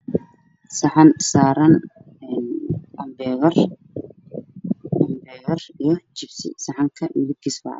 Waa saxan waxaa ku jira buur gar midabkiisa hayjaallo iyo barando ah